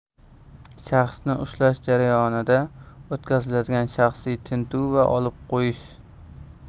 shaxsni ushlash jarayonida o'tkaziladigan shaxsiy tintuv va olib qo'yish